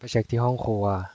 ไปเช็คที่ห้องครัว